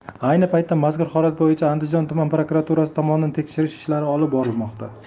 ayni paytda mazkur holat bo'yicha andijon tuman prokuraturasi tomonidan tekshirish ishlari olib borilmoqda